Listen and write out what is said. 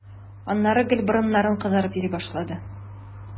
Аннары гел борыннарың кызарып йөри башлады.